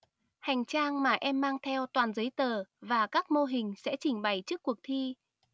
hành trang mà em mang theo toàn giấy tờ và các mô hình sẽ trình bày trước cuộc thi